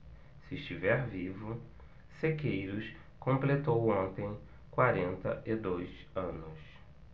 se estiver vivo sequeiros completou ontem quarenta e dois anos